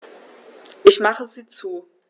Ich mache sie zu.